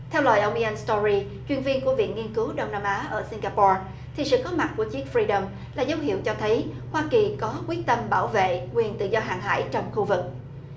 theo lời ông i an sờ to ry chuyên viên của viện nghiên cứu đông nam á ở sing ga po thì sự có mặt của chiếc phi đầm là dấu hiệu cho thấy hoa kỳ có quyết tâm bảo vệ quyền tự do hàng hải trong khu vực